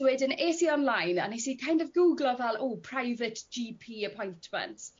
wedyn es i online a nes i kind of gwglo fel o private Gee Pee appointment.